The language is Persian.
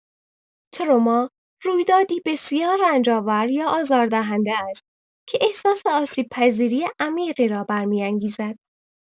تروما رویدادی بسیار رنج‌آور یا آزاردهنده است که احساس آسیب‌پذیری عمیقی را برمی‌انگیزد.